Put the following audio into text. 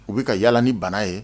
U bɛ ka yala ni bana ye!